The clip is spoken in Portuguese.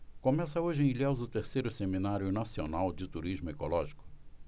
começa hoje em ilhéus o terceiro seminário nacional de turismo ecológico